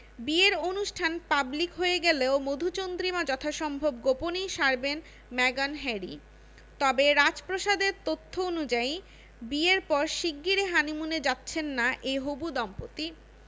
বিয়ের অনুষ্ঠান পাবলিক হয়ে গেলেও মধুচন্দ্রিমা যথাসম্ভব গোপনেই সারবেন মেগান হ্যারি তবে রাজপ্রাসাদের তথ্য অনুযায়ী বিয়ের পর শিগগিরই হানিমুনে যাচ্ছেন না এই হবু দম্পতি